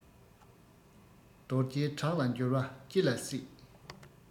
རྡོ རྗེའི བྲག ལ འགྱུར བ ཅི ལ སྲིད